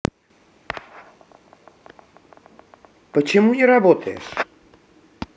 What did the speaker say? почему не работаешь